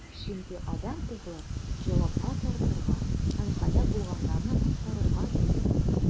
Чөнки Адәм Углы җавапка тартырга һәм һәлак булганнарны коткарырга килде.